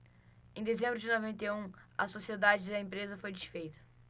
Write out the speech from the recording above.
em dezembro de noventa e um a sociedade da empresa foi desfeita